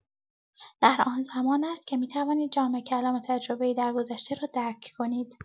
در آن‌زمان است که می‌توانید جان کلام تجربه‌ای درگذشته را درک کنید.